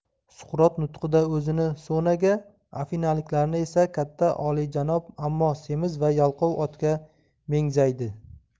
suqrot nutqida o'zini so'naga afinaliklarni esa katta olijanob ammo semiz va yalqov otga mengzaydi